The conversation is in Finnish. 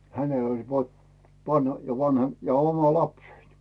hänellä oli -- ja vanha ja oma lapseni